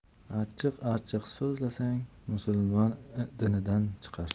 achchiq achchiq so'zlasang musulmon dinidan chiqar